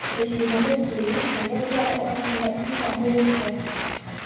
Тәҗрибәле белгеч коллегалары арасында иң абруйлысы.